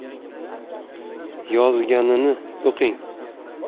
yozganini o'qing